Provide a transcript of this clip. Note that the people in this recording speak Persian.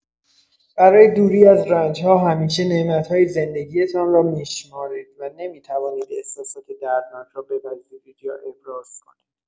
برای دوری از رنج‌ها همیشه نعمت‌های زندگی‌تان را می‌شمارید و نمی‌توانید احساسات دردناک را بپذیرید یا ابراز کنید.